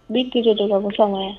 I ci de tɔgɔsɔn kɔnɔ